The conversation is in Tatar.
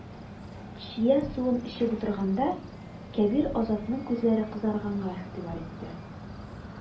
Чия суын эчеп утырганда, Кәбир Азатның күзләре кызарганга игътибар итте.